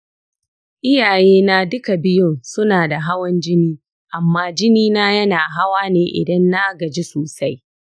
iyayena duka biyun suna da hawan jini amma jini na yana hawa ne idan na gaji sosai.